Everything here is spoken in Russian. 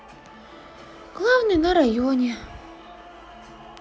главный на районе